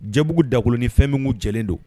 Jɛbugu Dagolo ni fɛn min tun jɛlen don